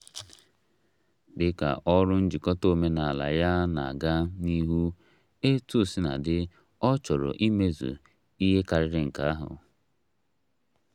Dị ka ọrụ njikọta omenala ya na-aga n'ihu, etuọsinadị, ọ chọrọ imezu ihe karịrị nke ahụ.